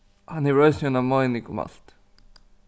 hann hevur eisini eina meining um alt